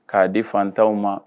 K'a di fantanw ma